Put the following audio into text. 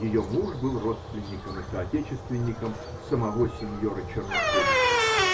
Ее муж был родственником и соотечественником самого синьора Черноконича.